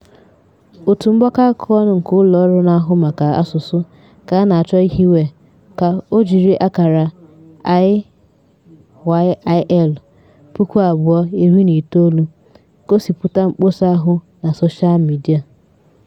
Òtù mgbakọaka ọnụ nke ụloọrụ na-ahụ maka asụsụ ka a na-achọ ihiwe ka o ijiri ákàrà #IYIL2019 gosipụta mkposa ahụ na sosha midia.